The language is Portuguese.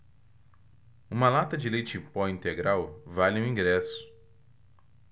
uma lata de leite em pó integral vale um ingresso